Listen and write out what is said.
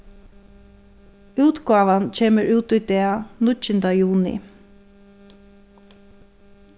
útgávan kemur út í dag níggjunda juni s